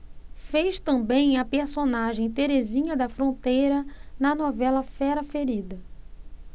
fez também a personagem terezinha da fronteira na novela fera ferida